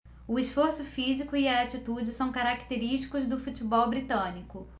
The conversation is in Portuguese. o esforço físico e a atitude são característicos do futebol britânico